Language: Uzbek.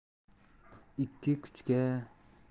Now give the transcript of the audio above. yov qo'liga tushsang